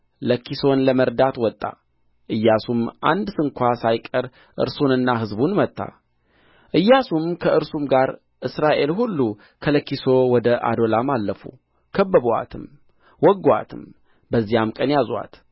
ለኪሶን ለመርዳት ወጣ ኢያሱም አንድ ስንኳ ሳይቀር እርሱንና ሕዝቡን መታ ኢያሱም ከእርሱም ጋር እስራኤል ሁሉ ከለኪሶ ወደ ኦዶላም አለፉ ከበቡአትም ወጉአትም በዚያም ቀን ያዙአት